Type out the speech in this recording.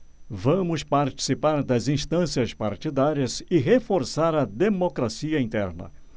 vamos participar das instâncias partidárias e reforçar a democracia interna